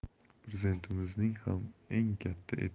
prezidentimizning ham eng katta